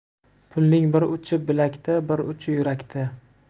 pulning bir uchi bilakda bir uchi yurakda